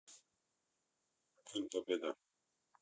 фильм победа